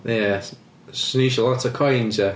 Ia, s- 'swn i isio lot o coins ia.